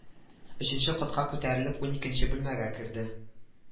Өченче катка күтәрелеп уникенче бүлмәгә керде